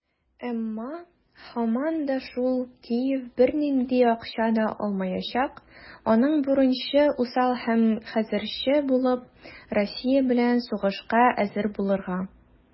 Әмма, һаман да шул, Киев бернинди акча да алмаячак - аның бурычы усал һәм хәерче булып, Россия белән сугышка әзер булырга.